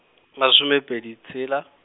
masome pedi tshela.